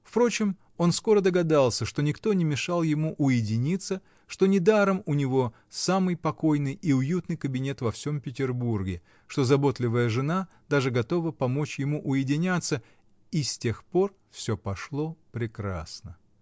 Впрочем, он скоро догадался, что никто не мешал ему уединиться, что недаром у него самый покойный и уютный кабинет во всем Петербурге, что заботливая жена даже готова помочь ему уединяться, -- и с тех пор все пошло прекрасно.